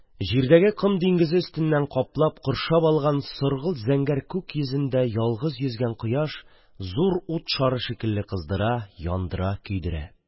Җирдәге ком диңгезе өстеннән каплап коршап алган соргылт-зәңгәр күк йөзендә ялгыз йөзгән кояш зур ут шары шикелле кыздыра, яндыра, көйдерә.